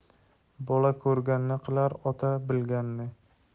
bola ko'rganini qilar ota bilganini